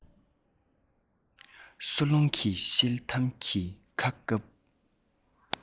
གསོ རླུང གི ཤེལ དམ གྱི ཁ བཀབ